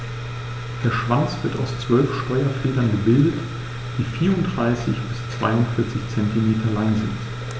Der Schwanz wird aus 12 Steuerfedern gebildet, die 34 bis 42 cm lang sind.